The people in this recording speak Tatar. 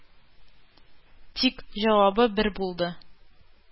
Тик җавабы бер булды: